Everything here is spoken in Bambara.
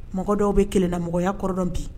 Mɔgɔ dɔw bɛ kelen namɔgɔya kɔrɔ dɔn bi